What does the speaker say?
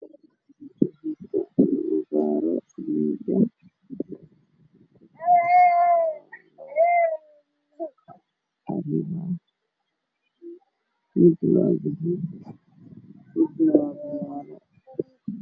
Waxaa ii muuqda caagado iyo dulsaaran oo midabkoodu yahay caddaan furaraka midooday bluug